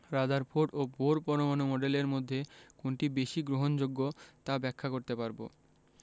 Rutherford ও Bohr পরমাণু মডেলের মধ্যে কোনটি বেশি গ্রহণযোগ্য তা ব্যাখ্যা করতে পারব